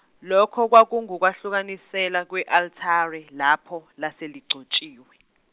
lokho kwakungukwahlukaniselwa kwe altare, lapho lase ligcotshiwe.